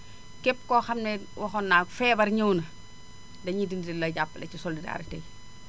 képp koo xam ne waxoon naa ko feebar ñëw na dañuy dindi di la jàppale si solidarité bi